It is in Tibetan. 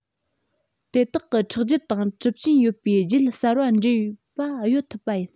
དེ དག གི ཁྲག རྒྱུད དང གྲུབ ཀྱིན ཡོད པའི རྒྱུད གསར པ འདྲེས པ གཡོལ ཐུབ པ ཡིན